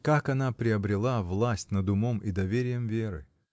Как она приобрела власть над умом и доверием Веры?